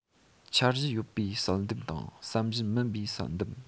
འཆར གཞི ཡོད པའི བསལ འདེམས དང བསམ བཞིན མིན པའི བསལ འདེམས